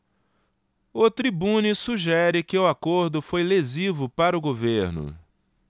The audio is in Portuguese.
o tribune sugere que o acordo foi lesivo para o governo